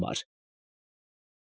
Համար։